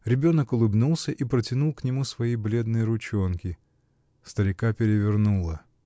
ребенок улыбнулся и протянул к нему свои бледные ручонки. Старика перевернуло.